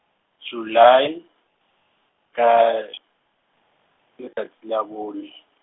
Julae ka , letšatši la bone.